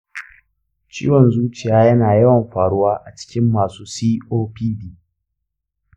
ciwon zuciya yana yawan faruwa a cikin masu copd.